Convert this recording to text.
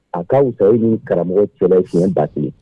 A k ka fisasayi ni karamɔgɔ cɛfi ba tigɛ